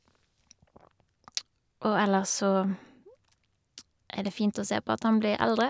Og ellers så er det fint å se på at han blir eldre.